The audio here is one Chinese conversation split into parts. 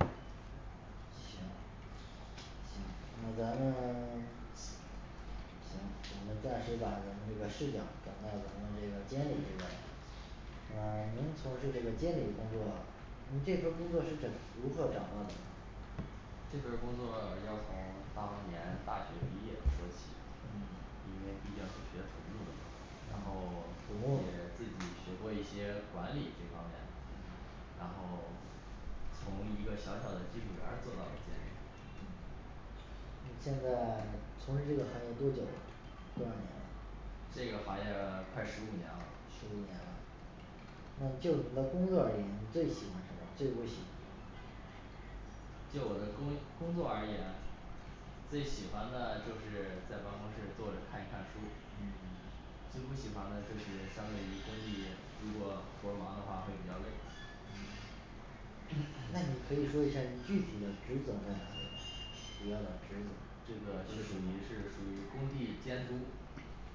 嗯行行那咱们行，我们暂时把咱们这个视角儿转到咱们这个监理这边儿呃您从事这个监理工作您这份儿工作是掌如何找到的呢这份儿工作要从当年大学毕业说起，嗯因为毕竟是学土木的嘛然嗯后 土也自己木学过一些管理这方面然后从一个小小的技术员儿做到了监理嗯，你现在从事这个行业多久了？多少年了这个行业快十五年了十五年了，那就你的工作而言，你最喜欢什么？最不喜欢什么就我的工工作而言最喜欢呢就是在办公室坐着看一看书，嗯最不喜欢的就是相当于工地，如果活儿忙的话会比较累那你可以 说一下你具体的职责在哪儿呢。主要的职责这个就属于是属于工地监督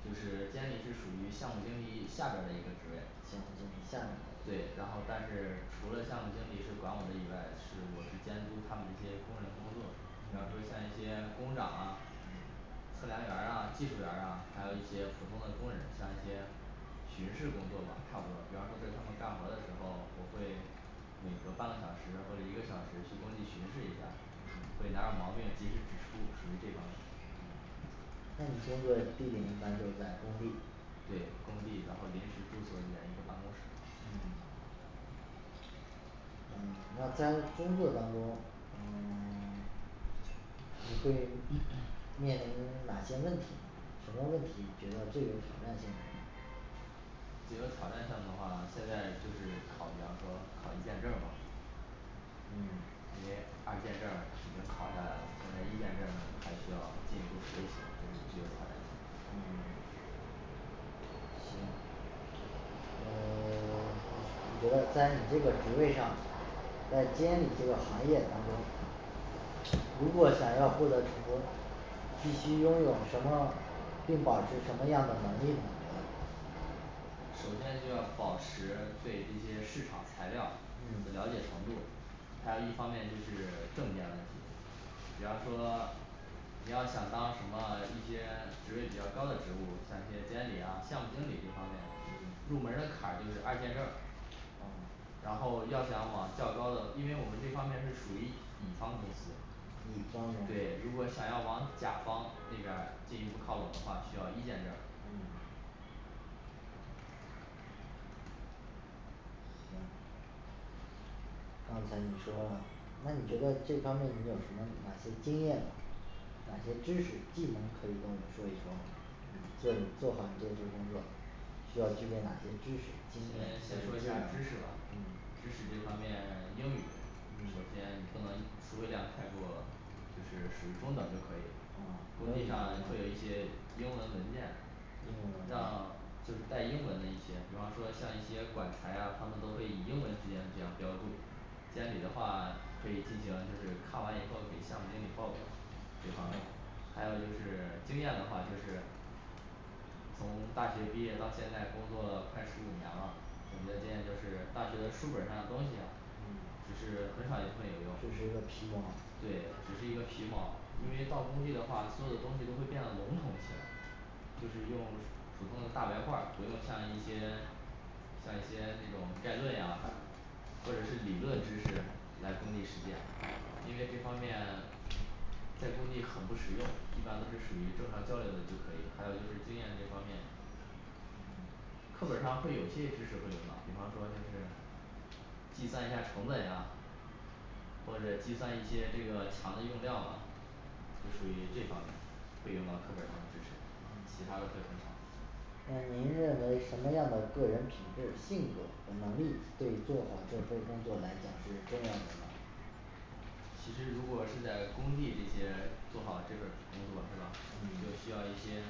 就是监理是属于项目经理下边儿的一个职位项目经理下，边儿对，然的后但是除了项目经理是管我的以外，是我是监督他们这些工人工作。比方说像一些工长啊嗯测量员儿呀、技术员儿呀，还有一些普通的工人，像一些巡视工作吧差不多，比方说在他们干活的时候，我会每隔半个小时或者一个小时去工地巡视一下，会哪嗯儿有毛病及时指出属于这方面。那你这个地点一般就是在工地对工地，然后临时住所里边一个办公室嗯嗯那在工作当中嗯 你会 面临哪些问题呢什么问题你觉得最有挑战性最有挑战性的话，现在就是考比方说考一建证儿吧嗯因为二建证儿已经考下来了，现在一建证儿还需要进一步学习，这是具有挑战性。嗯首先就要保持对这些市场材料的了解嗯程度，还有一方面就是证件问题，比方说你要想当什么一些职位比较高的职务，像这些监理呀项目经理这方面，入门嗯儿的坎儿就是二建证哦然后要想往较高的，因为我们这方面是属于乙方公司乙方公司对，如果想要往甲方那边儿进一步靠拢的话，需要一建证儿嗯行刚才你说了，那你觉得这方面你有什么哪些经验呢哪些知识技能可以跟我们说一说吗，就做好你这份儿工作需要具备哪些知识？基本呃 先说一技下能儿知识吧嗯。知识这方面英语首先你嗯不能词汇量太多了就是属于中等就可以。工哦地上会有一些英文文件，让就是带英文的一些比方说像一些管材呀他们都会以英文直接这样标注监理的话可以进行就是看完以后给项目经理报表，这方面嗯还有就是经验的话就是，从大学毕业到现在工作了快十五年了，总结的经验就是大学的书本儿上的东西呀，只嗯是很少一部分有用只是个皮毛，对，只是一个皮毛，因为到工地的话所有的东西都会变得笼统起来就是用普通的大白话儿，不用像一些像一些那种概论呀，或者是理论知识来工地实践因为这方面。在工地很不实用，一般都是属于正常交流的，就可以还有就是经验这方面嗯课本儿上会有些知识会用到，比方说就是计算一下成本呀或者计算一些这个墙的用料啊，就属于这方面会用到课本儿上的知识其它的会很少那您认为什么样的个人品质性格和能力对做好这份儿工作来讲是重要的呢其实如果是在工地这些做好这份儿工作是吧就需要一嗯些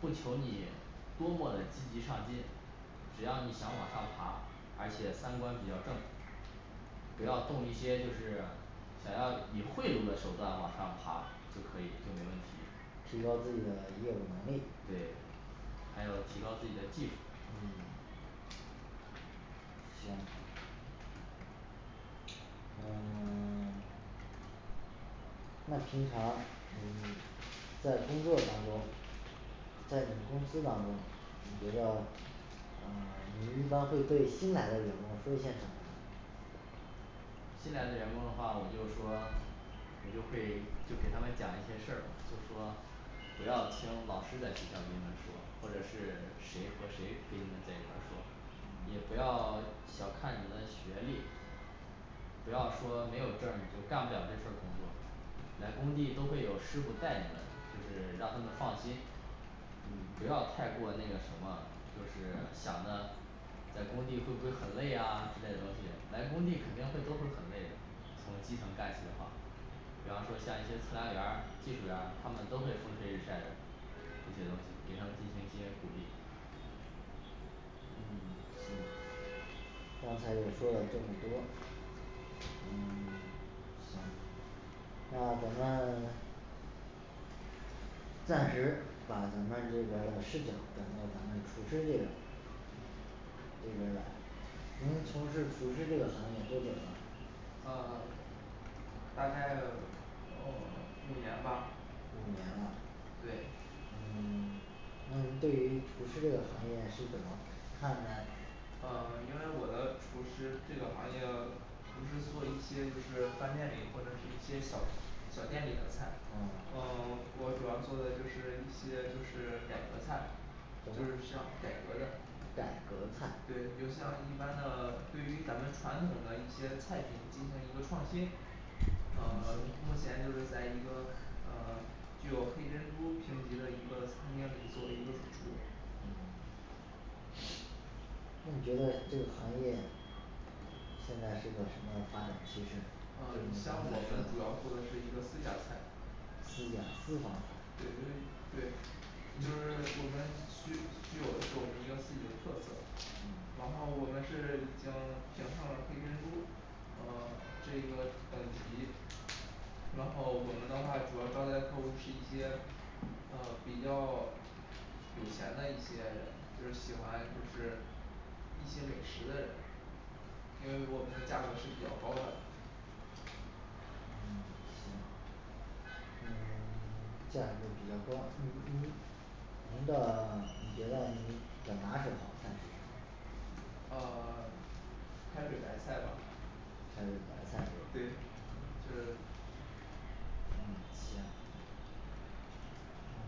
不求你多么的积极上进只要你想往上爬，而且三观比较正不要动一些就是想要以贿赂的手段往上爬就可以就没问题提高自己的业务能力对还有提高自己的技术嗯行嗯 那平常你在工作当中在你公司当中，你觉得嗯 你一般会对新来的员工说一些什么新来的员工的话我就说我就会就给他们讲一些事儿就说不要听老师在学校给你们说，或者是谁和谁给你们在一块儿说也不要小看你们的学历不要说没有证儿你就干不了这份儿工作来工地都会有师傅带你们就是让他们放心不要太过那个什么就是想的在工地会不会很累呀之类的东西，来工地肯定会都是很累的从基层干起的话比方说像一些测量员儿技术员儿他们都会风吹日晒的这些东西给他们进行一些鼓励嗯嗯刚才也说了这么多嗯 行那咱们这边儿来您从事厨师这个行业多久了呃 大概呃 五年吧五年了对嗯那您对于厨师这个行业是怎么看待呃因为我的厨师这个行业不是做一些就是饭店里或者是一些小小店里的菜哦呃我主要做的就是一些就是改革菜就是像改革这儿改革菜对你就像一般的对于咱们传统的一些菜品进行一个创新呃 目前就是在一个呃 具有黑珍珠评级的一个餐厅里作为一个主厨嗯 那你觉得这个行业现在是个什么样发展趋势呢呃你像我们主要做的是一个私家菜私家私房菜对因为对就是我们具具有的是我们一个自己的特色然嗯后我们是已经评上了黑珍珠呃 这个等级然后我们的话主要招待的客户是一些呃比较有钱的一些人就是喜欢就是一些美食的人因为我们的价格是比较高的嗯行嗯 价格比较高的黑珍珠您的 您觉得您比较拿手的菜是什么呃 开水白菜吧开水白菜是对吗这嗯行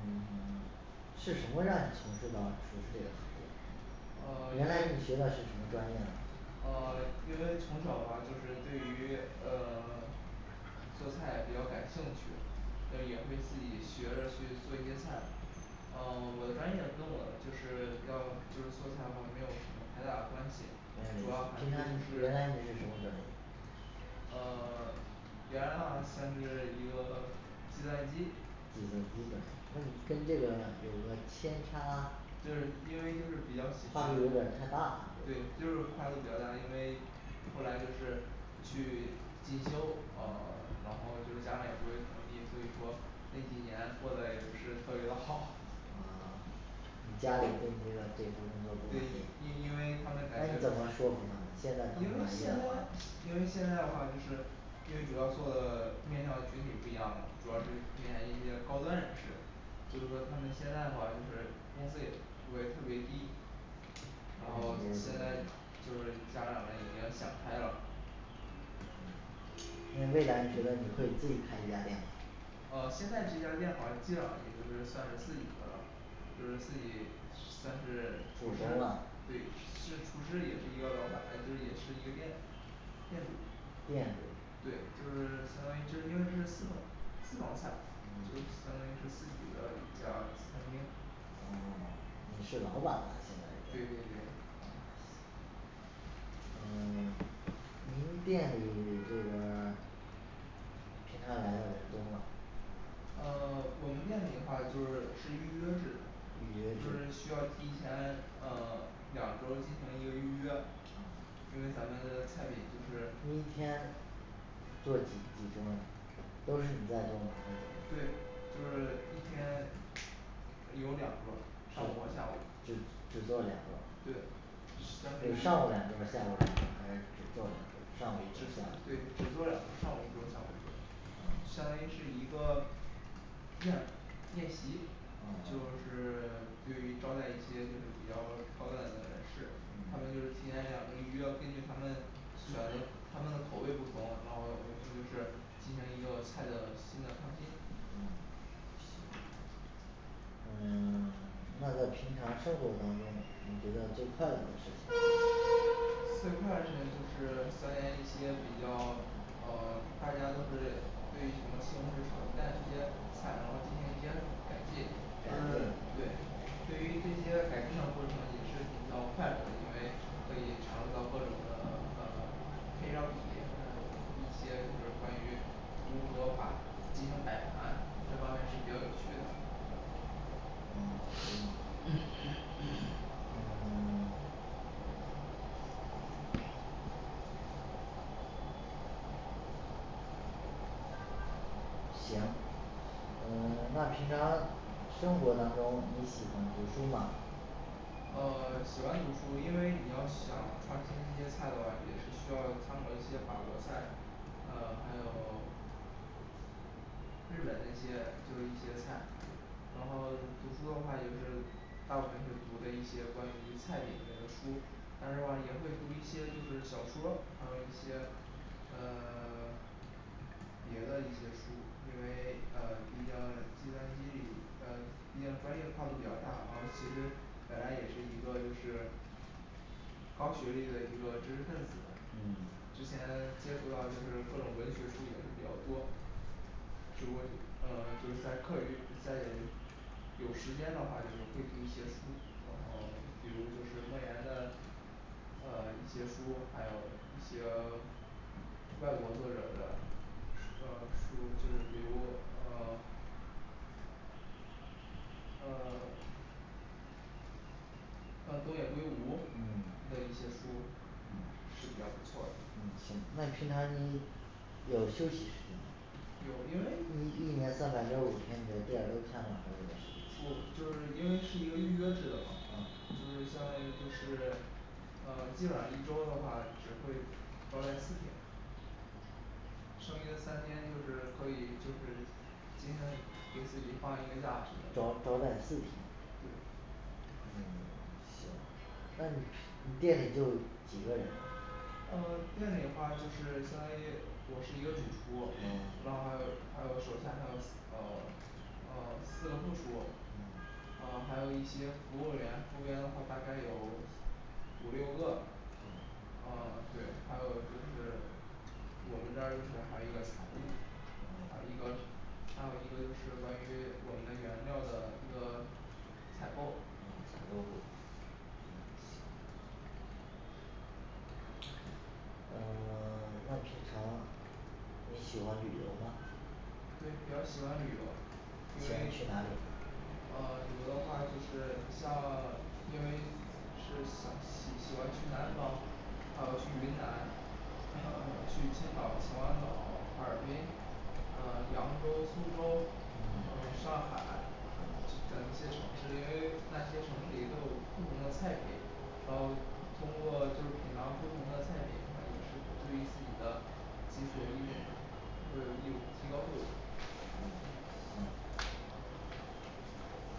嗯 是什么让你从事到厨师这个行业原来呃你学的是什么专业呢呃因为从小吧就是对于呃 做菜比较感兴趣呃也会自己学着去做一些菜呃我的专业跟我就是要就是做菜的话没有什么太大的关系没有主关要系还原来是就是原来你是什么专业呃 原来的话算是一个计算机计算机专业那你跟这个整个偏差就是因为就是比较喜跨欢度有点儿太大对就是跨度比较大因为后来就是去进修呃嗯然后就是家长也不会同意，所以说那几年过得也不是特别的好啊 你家里会不会觉得这份工作不对体因因为面他们感那觉因你怎为么说服他们现现在在因为现在怎么的话就是因为主要做的面向的群体不一样嘛主要是面向一些高端人士就是说他们现在的话就是工资也不会特别低然后现在就是家长呢已经想开了嗯那未来你觉得你会自己开一家店吗呃现在这家店了也就是算是自己的了就是自己算是厨师，对是厨师也是一个老板那就是也是一个店店店主主对就是相当于就是因为是私房私房菜就是相嗯当于是自己的一家餐厅对对对嗯 您店里这个平常来的人多吗呃 我们店里的话就是是预约制预约的就是需制要提前呃两周进行一个预约，哦因为咱们的菜品就是一天做几几桌儿啊都是你在做吗还对是就是一天有两桌儿上午或下只午只做两桌儿对咱这个上午两桌儿下午两桌儿还是只做两桌儿上午一桌只儿下午对只一桌儿嗯做两桌儿上午一桌儿下午一桌儿相当于是一个宴宴席就噢是对于招待一些就是比较高端的人士他们就是嗯提前两周预约根据他们口味不同然后我呢就是进行一个菜的新的创新嗯行嗯 那在平常生活当中你觉得最快乐的事情是什么最快乐事情就是钻研一些比较呃大家都是对于什么西红柿炒鸡蛋这些菜然后进行一些改进就是改进对对于这些改进的过程也是比较快乐的，因为可以尝试到各种的呃可以让一些还有一些就是关于如何把进行摆盘这方面是比较有趣的噢行& &那 行嗯那平常生活当中你喜欢读书吗呃喜欢读书，因为你要想创新这些菜的话，也是需要参考一些法国菜呃还有日本那些就是一些菜然后读书的话也是大部分是读的一些关于菜品类的书，但是话也会读一些就是小说儿还有一些嗯 别的一些书，因为呃毕竟计算机里嗯毕竟专业跨度比较大，然后其实本来也是一个就是高学历的一个知识分子，嗯之前接触到就是各种文学书也是比较多就会呃就是在课余在有时间的话就是会读一些书，然后比如就是莫言的呃一些书，还有一些 外国作者的呃书，就是比如呃呃 像东野圭吾的嗯一些书嗯是比较不错的嗯行那平常你有休息时间吗有因为不就是因为是一个预约制的嘛就是像那个就是呃基本上一周的话只会招待四天剩余的三天就是可以就是毕竟给自己放一个假什么的招招待四对天嗯 行那你你店里就几个人呃店里的话就是相当于我是一个主厨然后还有嗯还有手下还有呃呃四个副厨嗯呃还有一些服务员服务员的话大概有五六个呃嗯对，还有就是我们那儿就是还有一个财务还有一个哦还有一个就是关于我们的原料的一个采购嗯采购部嗯行呃 那平常你喜欢旅游吗对比较喜欢旅游因喜欢为去哪里呢呃旅游的话就是你像 因为是想喜喜欢去南方，还有去云南 呃去青岛秦皇岛哈尔滨呃扬州、苏州嗯上海这样一些城市，因为那些城市也都有不同的菜品，然后通过就品尝不同的菜品的话，也是会对于自己的就属于就是提高过程嗯行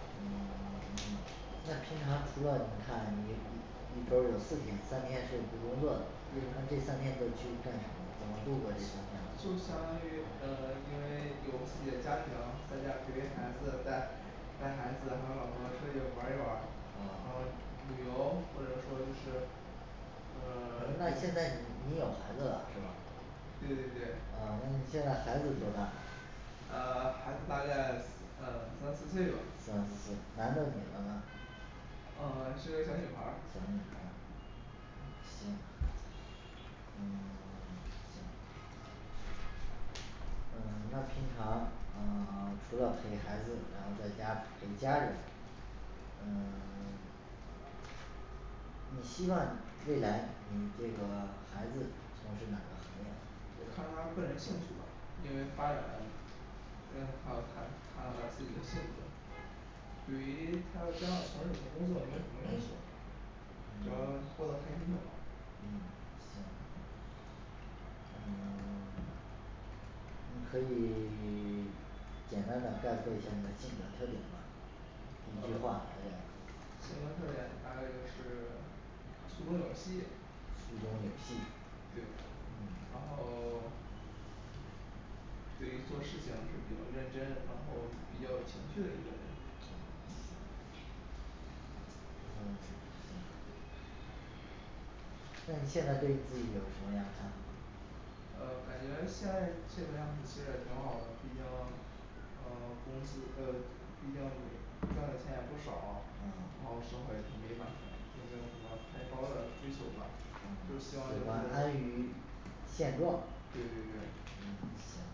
嗯 那平常除了你看你一一周有四天三天是不工作的，那这对三天你都去干什么，怎么度过这三就相当天于嗯因为有自己的家庭在家陪陪孩子带带孩子，还有老婆出去玩儿一玩儿然后噢旅游或者说就是那呃现在 你你有孩子了是吗对对对哦那你现在孩子多大呃 孩子大概嗯三四岁吧三四岁男的女的呢呃是个小女孩儿小女孩儿行嗯 行嗯那平常呃 除了陪孩子然后在家陪家人嗯 你希望你未来你这个孩子从事哪个行业看她个人兴趣吧因为发展的嗯看到孩子看到她自己的性格对于她要将来从事什么工作没有什么要求只要过得开心就好嗯行嗯 你可以 简单的概括一下你的性格特点吗一句话呃性格特点大概就是粗中有细粗中有细对然嗯后 对于做事情是比较认真，然后比较有情趣的一个人嗯行嗯行那你现在对自己有什么样的看法呃感觉现在这个样子其实也挺好的毕竟呃公司个人毕竟也赚的钱也不少，然嗯后生活也挺美满的也没有什么太高的追求吧就嗯希喜望就欢安于是现状对对对嗯行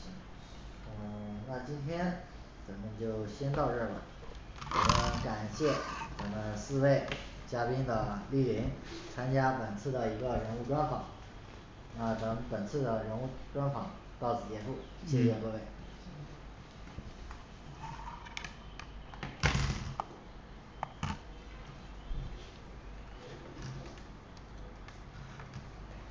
行呃 那今天咱们就先到这儿吧咱们感谢咱们四位嘉宾的莅临参加本次的一个人物专访那咱们本次的人物专访到此结束，谢谢各位行